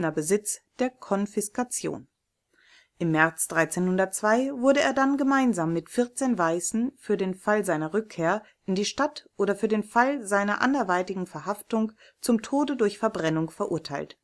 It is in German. Besitz der Konfiskation. Im März 1302 wurde er dann gemeinsam mit 14 anderen Weißen für den Fall seiner Rückkehr in die Stadt oder für den Fall seiner anderweitigen Verhaftung zum Tod durch Verbrennung verurteilt